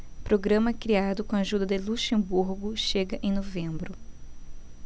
programa criado com a ajuda de luxemburgo chega em novembro